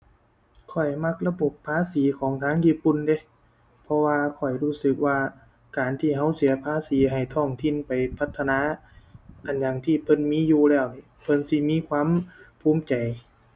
ข้อยมักระบบภาษีของทางญี่ปุ่นเดะ เพราะว่าข้อยรู้สึกว่าการที่เราเสียภาษีให้ท้องถิ่นไปพัฒนา อันหยังที่เพิ่นมีอยู่แล้วนี่เพิ่นสิมีความภูมิใจ